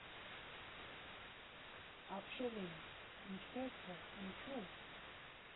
Ապշել էինք, ինչպե՞ս թե, ինչու՞։